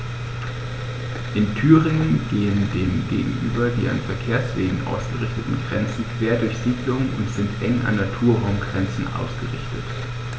In Thüringen gehen dem gegenüber die an Verkehrswegen ausgerichteten Grenzen quer durch Siedlungen und sind eng an Naturraumgrenzen ausgerichtet.